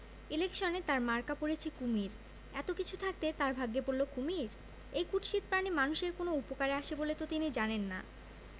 ইলেকশনে তাঁর মার্কা পড়েছে কুমীর এত কিছু থাকতে তাঁর ভাগ্যে পড়ল কুমীর এই কুৎসিত প্রাণী মানুষের কোন উপকারে আসে বলে তো তিনি জানেন না